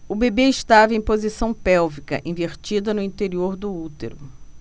o bebê estava em posição pélvica invertida no interior do útero